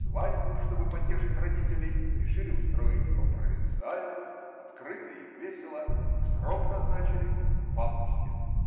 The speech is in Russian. свадьбу, чтобы потешить родителей, решили устроить по-провинциальному -- открыто и весело, и срок назначили -- в августе.